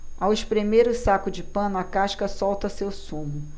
ao espremer o saco de pano a casca solta seu sumo